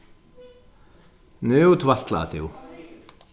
nú tvætlar tú